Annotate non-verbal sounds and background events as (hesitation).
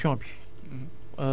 (hesitation) rotation bi